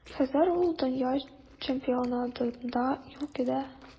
Хәзер ул дөнья чемпионатында юк иде.